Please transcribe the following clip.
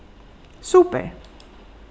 super